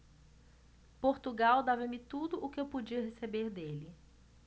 portugal dava-me tudo o que eu podia receber dele